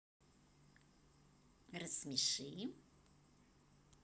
рассмеши